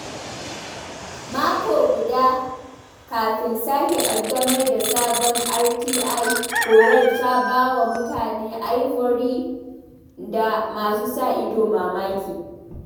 Mako guda kafin sake ƙaddamar da sabon RTI, korar ta ba wa mutanen Ivory da masu sa ido mamaki.